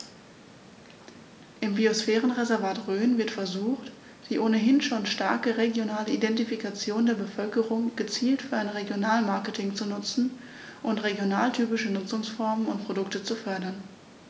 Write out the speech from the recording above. Im Biosphärenreservat Rhön wird versucht, die ohnehin schon starke regionale Identifikation der Bevölkerung gezielt für ein Regionalmarketing zu nutzen und regionaltypische Nutzungsformen und Produkte zu fördern.